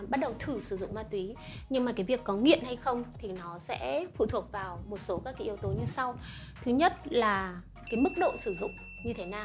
bắt đầu thử sử dụng ma túy nhưng mà có nghiện hay không thì sẽ phụ thuộc vào một số yếu tố như sau thứ nhất là mức độ sử dụng như thế nào